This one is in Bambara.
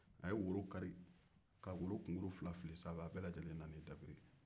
a ye woro kari k'a fili sanfe a fila bɛɛ nana i dabiri